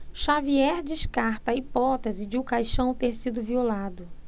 xavier descarta a hipótese de o caixão ter sido violado